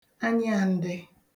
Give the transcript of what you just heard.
anyịaǹdị